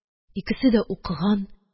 Икесе дә укыган